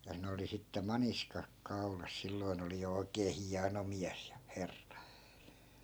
ja ne oli sitten maniskat kaulassa silloin oli jo oikein hieno mies ja herra